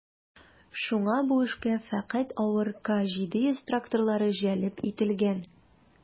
Шуңа бу эшкә фәкать авыр К-700 тракторлары җәлеп ителгән.